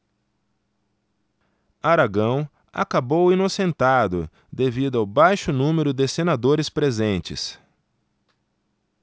aragão acabou inocentado devido ao baixo número de senadores presentes